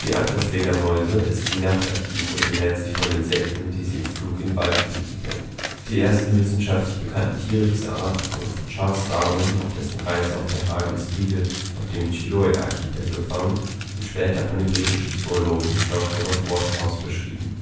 andere Fledermäuse ist sie nachtaktiv und ernährt sich von Insekten, die sie im Flug in Waldgebieten fängt. Die ersten wissenschaftlich bekannten Tiere dieser Art wurden von Charles Darwin auf dessen Reise auf der HMS Beagle auf dem Chiloé-Archipel gefangen und später von dem britischen Zoologen George Robert Waterhouse beschrieben